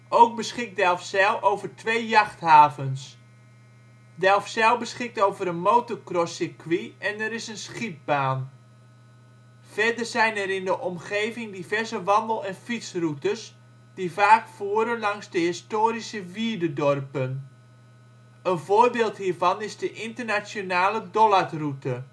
Ook beschikt Delfzijl over twee jachthavens. Delfzijl beschikt over een Motorcrosscircuit en er is een schietbaan. Verder zijn er in de omgeving diverse wandel - en fietsroutes, die vaak voeren langs de historische wierde dorpen. Een voorbeeld hiervan is de Internationale Dollardroute